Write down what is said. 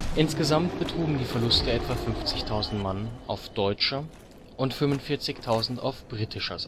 Insgesamt betrugen die Verluste etwa 50.000 Mann auf deutscher und 45.000 auf britischer